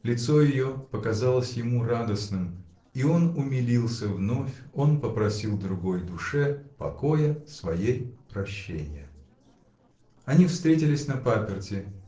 лицо ее показалось ему радостным, и он умилился вновь, он попросил другой душе -- покоя, своей -- прощенья. Они встретились на паперти